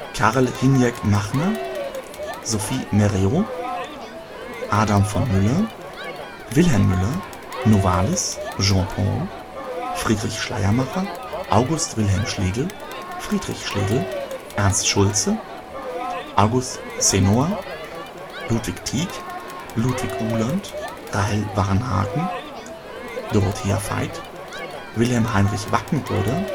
Karel Hynek Mácha, Sophie Mereau, Adam von Müller, Wilhelm Müller, Novalis, Jean Paul, Friedrich Schleiermacher, August Wilhelm Schlegel, Friedrich Schlegel, Ernst Schulze, August Šenoa, Ludwig Tieck, Ludwig Uhland, Rahel Varnhagen, Dorothea Veit, Wilhelm Heinrich Wackenroder